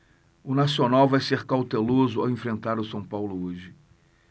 o nacional vai ser cauteloso ao enfrentar o são paulo hoje